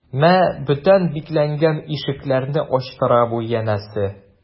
Мә, бөтен бикләнгән ишекләрне ачтыра бу, янәсе...